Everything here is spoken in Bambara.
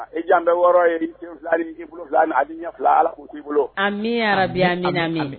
I jan bɛɛ wɔɔrɔ ye i denw fila i'i bolo fila a bɛ ɲɛ fila ala u k'i bolo a arabiya min min